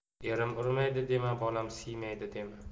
erim urmaydi dema bolam siymaydi dema